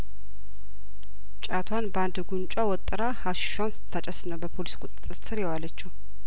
ጫቷን ባንድ ጉንጯ ወጥራ ሀሺሿን ስታጨስ ነው በፖሊስ ቁጥጥር ስር የዋለችው